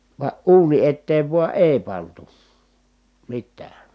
vaan uuni eteen vain ei pantu mitään